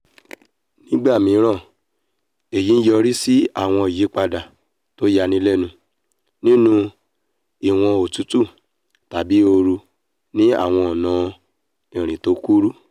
Nígbà mìíràn èyí ńyọrísí àwọn ìyípadà tó yanilẹ́nu nínú ìwọ̀n otútù tàbí ooru ní àwọn ọ̀nà ìrìn tó kúrú.